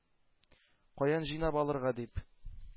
Каян җыйнап алырга? - дип,